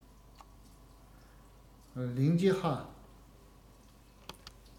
ལིང ཅི ཧྭ